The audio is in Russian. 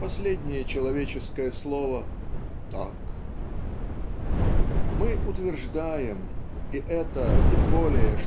Последнее человеческое слово: так. Мы утверждаем и это тем более